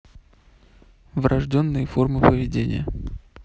врожденные формы поведения